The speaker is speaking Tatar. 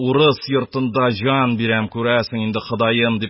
Урыс йортында жан бирәм, күрәсең, инде, ходаем дип